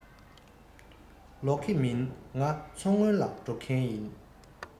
ལོག གི མིན ང མཚོ སྔོན ལ འགྲོ མཁན ཡིན